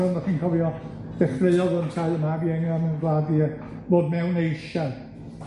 fel chi'n cofio, dechreuodd yntau'r mab Ienga mewn gwlad diarth fod mewn eisiau.